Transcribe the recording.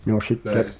no sitten